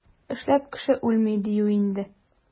Эшләп кеше үлми, диюе инде.